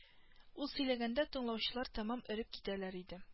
Ул сөйләгәндә тыңлаучылар тәмам эреп китәләр иде